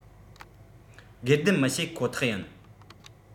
སྒེར སྡེམ མི བྱེད ཁོ ཐག ཡིན